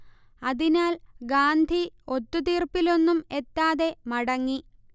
അതിനാൽ ഗാന്ധി ഒത്തുതീർപ്പിലൊന്നും എത്താതെ മടങ്ങി